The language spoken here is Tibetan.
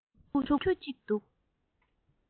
ཕྲུ གུ ཁྱུ གཅིག འདུག